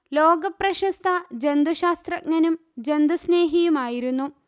ലോക പ്രശസ്ത ജന്തു ശാസ്ത്രജ്ഞനും ജന്തു സ്നേഹിയുമായിരുന്നു